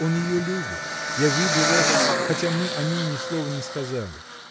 он ее любит — я видел это, хотя мы о ней ни слова не сказали.